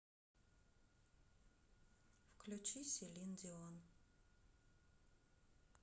включи селин дион